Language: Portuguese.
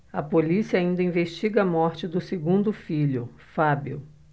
a polícia ainda investiga a morte do segundo filho fábio